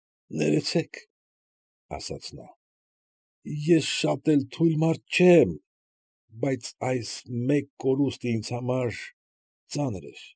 Ներեցեք,֊ ասաց նա,֊ ես շատ թույլ մարդ չեմ, բայց այս մեկ կորուստը ինձ համար ծանր էր։